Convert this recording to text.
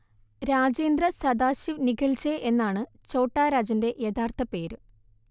രാജേന്ദ്ര സദാശിവ് നിഖൽജെ യെന്നാണ് ഛോട്ടാ രാജന്റെ യഥാർത്ഥ പേര്